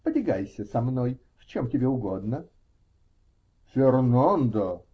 Потягайся со мной, в чем тебе угодно. -- Фернандо!